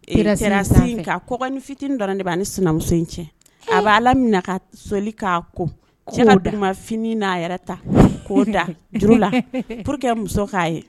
Fit dɔrɔn de b' ni sinamuso in cɛ a bɛ' ala min ka soli k'a ko cɛ ka finin n'a yɛrɛ ta' da juru la pour que muso k'a ye